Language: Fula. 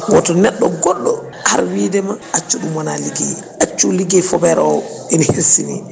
woto neɗɗo goɗɗo ar widema accu ɗumwona ligguey accu ligguey fobere o ina hersini